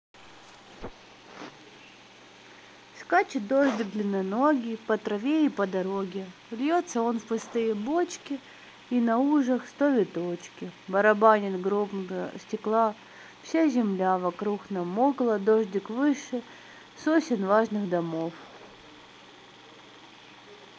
скачет дождик длинноногий по траве и по дороге льется он в пустые бочки и на ужах сто веточки барабанит громко стекла вся земля вокруг намокла дождик выше сосен важных домов